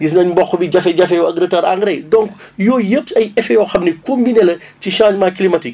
gis nañ mboq bi jafe-jafe yi ak retard engrais yi donc yooyu yëpp ci ay effet yoo xam ni * la ci changement climatique